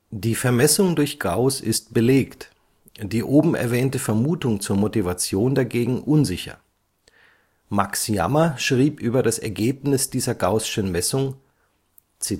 Die Vermessung durch Gauß ist belegt, die oben erwähnte Vermutung zur Motivation ist dagegen unsicher. Max Jammer schrieb über das Ergebnis dieser gaußschen Messung: „ Es